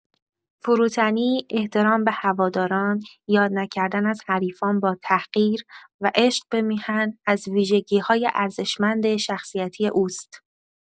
فروتنی، احترام به هواداران، یاد نکردن از حریفان با تحقیر و عشق به میهن از ویژگی‌های ارزشمند شخصیتی اوست.